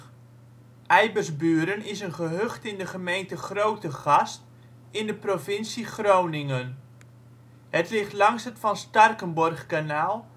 ooievaarsbuurt ") is een gehucht in de gemeente Grootegast in de provincie Groningen. Het ligt langs het van Starkenborghkanaal